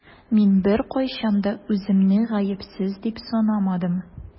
Мин беркайчан да үземне гаепсез дип санамадым.